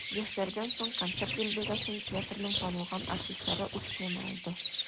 Яшьләрдән соң концерт дилбегәсен театрның танылган артистлары үз кулына алды.